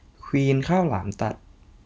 ควีนข้าวหลามตัด